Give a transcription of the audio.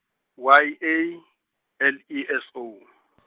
Y A, L E S O .